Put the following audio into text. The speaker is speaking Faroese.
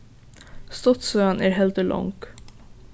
stuttsøgan er heldur long